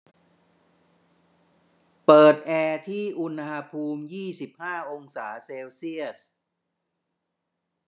เปิดแอร์ที่อุณหภูมิยี่สิบห้าองศาเซลเซียส